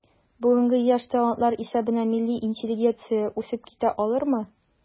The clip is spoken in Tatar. Бүгенге яшь талантлар исәбенә милли интеллигенция үсеп китә алырмы?